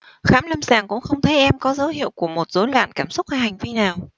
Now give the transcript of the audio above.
khám lâm sàng cũng không thấy em có dấu hiệu của một rối loạn cảm xúc hay hành vi nào